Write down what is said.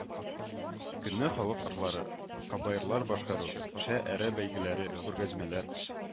Көнне халык ырлары, кобаерлар башкару, шә әрә бәйгеләре, күргәзмәләр